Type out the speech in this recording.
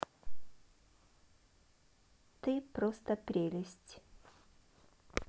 ты просто прелесть